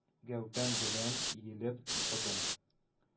Гәүдәм белән иелеп укыдым